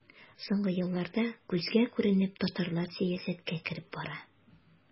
Соңгы елларда күзгә күренеп татарлар сәясәткә кереп бара.